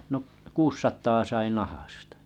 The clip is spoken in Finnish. no kuusisataa sai nahasta